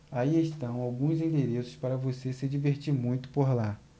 aí estão alguns endereços para você se divertir muito por lá